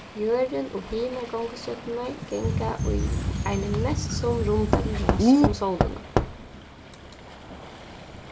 jørðin og hinar gongustjørnurnar ganga í eini mestsum rundari rás um sólina